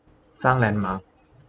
สร้างแลนด์มาร์ค